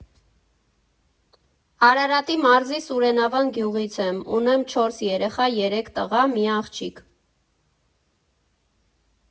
Արարատի մարզի Սուրենավան գյուղից եմ, ունեմ չորս երեխա՝ երեք տղա, մի աղջիկ։